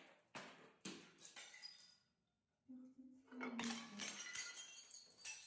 пюхтицкий монастырь